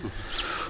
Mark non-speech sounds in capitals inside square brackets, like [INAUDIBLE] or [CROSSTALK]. [HESITATION] [HESITATION] [BREATH]